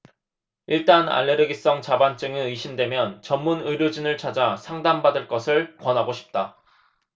일단 알레르기성 자반증이 의심되면 전문 의료진을 찾아 상담 받을 것을 권하고 싶다